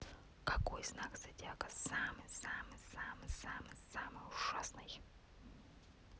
какой знак зодиака самый самый самый самый самый ужасный